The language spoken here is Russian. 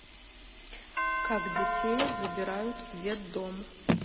как детей забирают в детдом